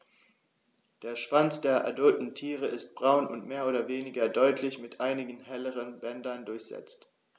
Der Schwanz der adulten Tiere ist braun und mehr oder weniger deutlich mit einigen helleren Bändern durchsetzt.